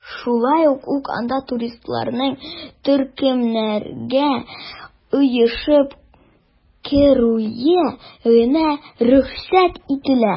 Шулай ук анда туристларның төркемнәргә оешып керүе генә рөхсәт ителә.